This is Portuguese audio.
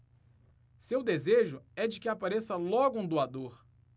seu desejo é de que apareça logo um doador